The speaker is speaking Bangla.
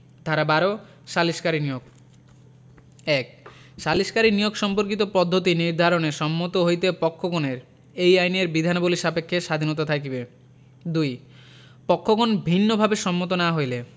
ধারা ১২ সালিসকারী নিয়োগঃ ১ সালিসকারী নিয়োগ সম্পর্কিত পদ্ধতি নির্ধারণে সম্মত হইতে পক্ষগণের এই আইনের বিধানবলী সাপেক্ষে স্বাধীনতা থাকিবে ২ পক্ষগণ ভিন্নভাবে সম্মত না হইলে